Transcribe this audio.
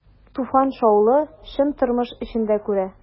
Туфан шаулы, чын тормыш эчендә күрә.